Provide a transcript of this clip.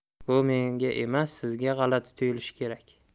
bu menga emas sizga g'alati tuyulishi kerak